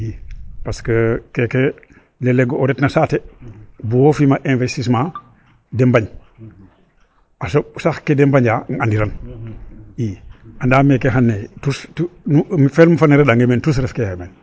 II parce que keke leg leeg o ret no saate bug o fi'ma investissement da mbañ a soɓ sax ke da mbaña andiran i anda me ke xane tus ferme fa nene re'angee meen tus refkee meen .